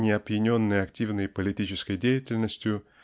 не опьяненный активной политической деятельностью